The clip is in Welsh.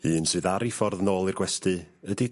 Un sydd ar ei ffordd nôl i'r gwesty ydi...